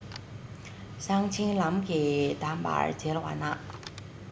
གསང ཆེན ལམ གྱི གདམས པར མཇལ བ ན